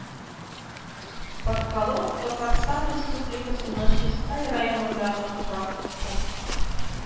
Подколок Татарстан Республикасының Чистай районындагы торак пункт